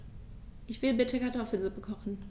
Ich will bitte Kartoffelsuppe kochen.